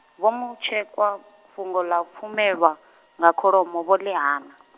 Vho Mutshekwa, fhungo ḽa pfumelwa, nga kholomo vho ḽi hana.